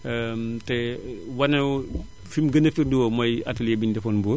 te wane wo fi mu gën a firndewoo mooy atelier bi ñu defoon Mbour